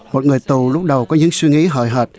một người tù lúc đầu có những suy nghĩ hời hợt